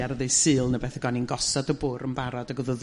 ar ddy' Sul ne' 'wbeth ag oni'n gosod y bwr' yn barod og o'dd y